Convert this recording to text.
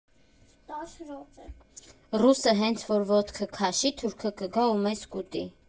Ռուսը հենց որ ոտքը քաշի, թուրքը կգա ու մեզ կուտի։